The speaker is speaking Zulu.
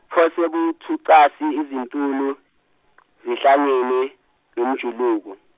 pho sebewuthunqasi izintuli zihlangene nomjuluko.